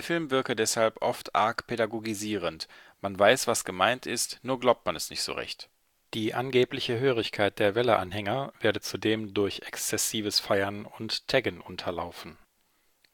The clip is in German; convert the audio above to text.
Film wirke deshalb „ oft arg pädagogisierend: Man weiß, was gemeint ist, nur glaubt man es nicht so recht. “Die angebliche Hörigkeit der Welle-Anhänger werde zudem durch exzessives Feiern und Taggen unterlaufen.